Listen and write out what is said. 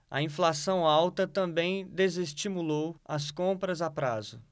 a inflação alta também desestimulou as compras a prazo